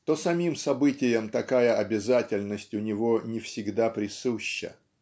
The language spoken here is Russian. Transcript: то самым событиям такая обязательность у него не всегда присуща.